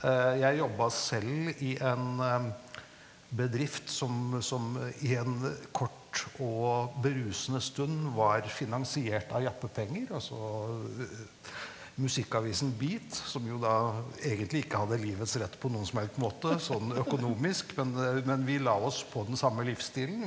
jeg jobba selv i en bedrift som som igjen kort og berusende stund var finansiert av jappepenger, altså musikkavisen Beat som jo da egentlig ikke hadde livets rett på noen som helst måte sånn økonomisk, men det men vi la oss på den samme livsstilen.